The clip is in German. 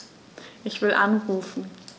Ich will anrufen.